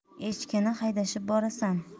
echkini haydashib borasan